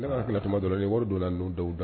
Ne nana kama dɔrɔn ye wari don la n don da da